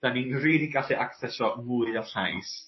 'dan ni'n rili gallu acsesio mwy o llais.